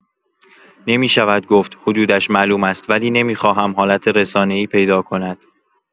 نمی‌شود گفت، حدودش معلوم است ولی نمی‌خواهم حالت رسانه‌ای پیدا کند.